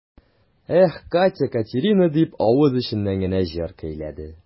Эх, Катя-Катерина дип, авыз эченнән генә җыр көйләде.